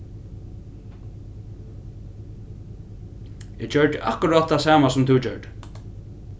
eg gjørdi akkurát tað sama sum tú gjørdi